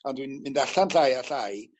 ond dwi'n mynd allan llai a llai